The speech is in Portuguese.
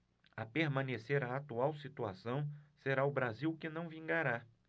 a permanecer a atual situação será o brasil que não vingará